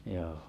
joo